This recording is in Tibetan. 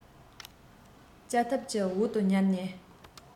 ལྕགས ཐབ ཀྱི འོག ཏུ ཉལ ནས